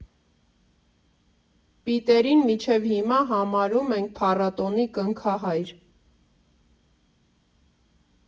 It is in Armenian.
Պիտերին մինչև հիմա համարում ենք փառատոնի կնքահայր։